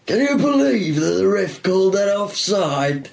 Can you believe that the ref called that offside?